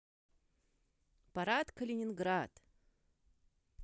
парад калининград